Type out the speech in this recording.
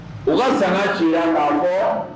U san tiɲɛ k'an bɔ